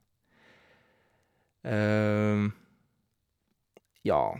Ja.